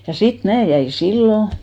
ja sitten minä jäin silloin